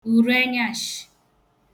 ùruenyashị